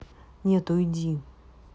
нет уйди